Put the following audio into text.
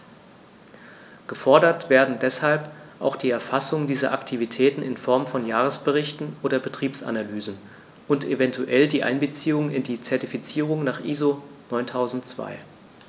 Gefordert werden deshalb auch die Erfassung dieser Aktivitäten in Form von Jahresberichten oder Betriebsanalysen und eventuell die Einbeziehung in die Zertifizierung nach ISO 9002.